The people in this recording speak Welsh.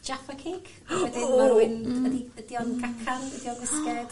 Jaffa Cake ydi ydi o'n gacan ydi o'n fisged?